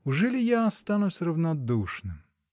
Ужели я останусь равнодушным?.